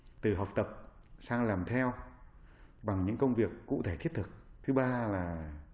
từ học tập sang làm theo bằng những công việc cụ thể thiết thực thứ ba là